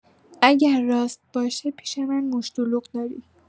اگر راست باشه پیش‌من مشتلق داری